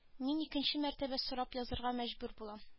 Мин икенче мәртәбә сорап язарга мәҗбүр булам